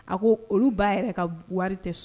A ko olu ba yɛrɛ ka wari tɛ so